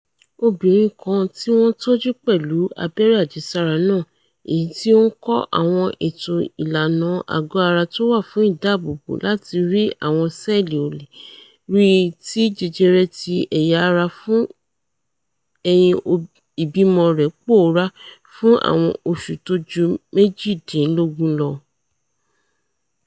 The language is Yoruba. Obìnrin kan tíwọ́n tọ́jú pẹ̀lú abẹ́rẹ́ àjẹsára náà, èyití ó ńkọ́ àwọn ètò ìlànà àgọ́-ara tówà fún ìdáààbòbò láti ri àwọn ṣẹ̵́ẹ̀lì olè, ríi ti jẹjẹrẹ ti ẹ̀yà-ara fún ẹyin ìbímọ rẹ̀ pòórá fún àwọn oṣù tóju méjìdínlógún lọ.